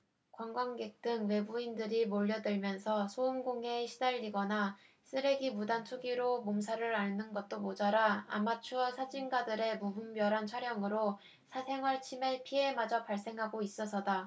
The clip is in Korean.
관광객 등 외부인들이 몰려 들면서 소음 공해에 시달리거나 쓰레기 무단 투기로 몸살을 앓는 것도 모자라 아마추어 사진가들의 무분별한 촬영으로 사생활 침해 피해마저 발생하고 있어서다